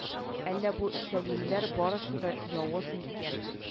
Әллә бу сәлимләр барысы да явыз микән